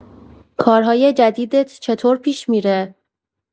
کارهای جدیدت چطور پیش می‌ره؟